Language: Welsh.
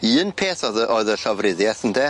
Un peth o'dd y oedd y llofruddieth ynde?